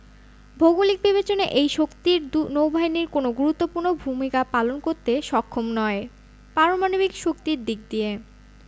ভৌগোলিক বিবেচনায় এই শক্তির নৌবাহিনী কোনো গুরুত্বপূর্ণ ভূমিকা পালন করতে সক্ষম নয় পারমাণবিক শক্তির দিক দিয়ে